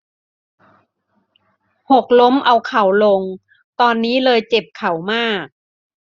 หกล้มเอาเข่าลงตอนนี้เลยเจ็บเข่ามาก